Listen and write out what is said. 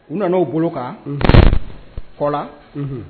U nana' u bolo ka kɔ